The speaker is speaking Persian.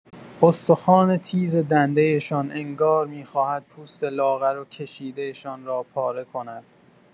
استخوان تیز دنده‌شان انگار می‌خواهد پوست لاغر و کشیده‌شان را پاره کند.